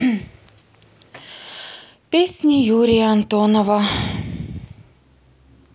песни юрия антонова